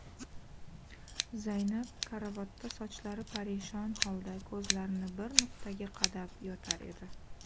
zaynab karavotda sochlari parishon holda ko'zlarini bir nuqtaga qadab yotar edi